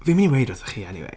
Fi'n mynd i weud wrthoch chi eniwe